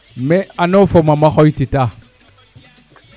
me ano fo mamo xooy tita